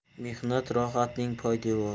mehnat rohatning poydevori